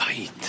Paid.